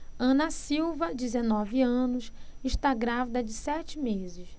ana silva dezenove anos está grávida de sete meses